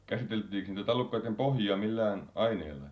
käsiteltiinkös niitä tallukkaiden pohjia millään aineella